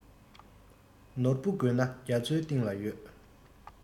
ནོར བུ དགོས ན རྒྱ མཚོའི གཏིང ལ ཡོད